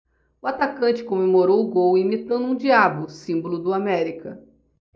o atacante comemorou o gol imitando um diabo símbolo do américa